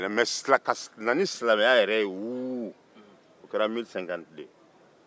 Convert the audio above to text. mɛ ka na ni silamɛya yɛrɛ ye wuu o kɛra 1050 san